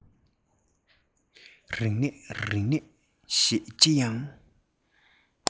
རིག གནས རིག གནས ཞེས པའི ལྕི ཡང